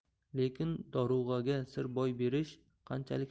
lekin dorug'aga sir boy berish qanchalik